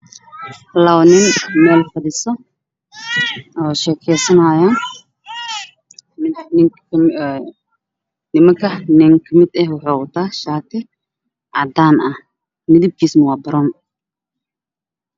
Laba nin meel fadhiso oo sheekay sanaayaan nimanka nin ka mid eh wuxuu wataa shaati cadaan ah midabkiisa waa baroon.